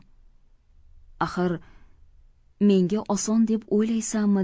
axir menga oson deb o'ylaysan mi